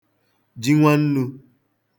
ji nwannū